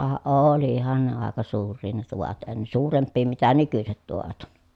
ka olihan ne aika suuria ne tuvat - suurempia mitä nykyiset tuvat on